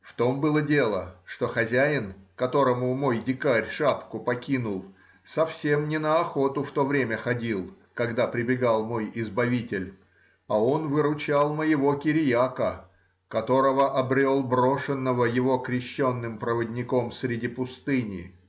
В том было дело, что хозяин, которому мой дикарь шапку покинул, совсем не на охоту в то время ходил, когда прибегал мой избавитель, а он выручал моего Кириака, которого обрел брошенного его крещеным проводником среди пустыни.